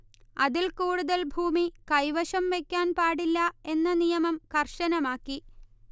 അതിൽ കൂടുതൽ ഭൂമി കൈവശം വെക്കാൻ പാടില്ല എന്ന നിയമം കർശനമാക്കി